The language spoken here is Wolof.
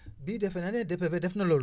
bii defe naa ne DPV def na loolu